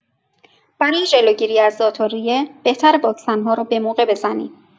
برای جلوگیری از ذات‌الریه، بهتره واکسن‌ها رو به‌موقع بزنی.